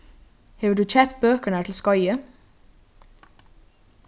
hevur tú keypt bøkurnar til skeiðið